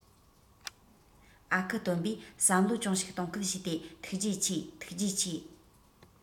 ཨ ཁུ སྟོན པས བསམ བློ ཅུང ཞིག གཏོང ཁུལ བྱས ཏེ ཐུགས རྗེ ཆེ ཐུགས རྗེ ཆེ